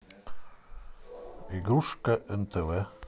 игрушка нтв